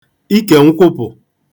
ikè nkwụpụ̄